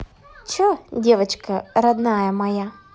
че девочка родная моя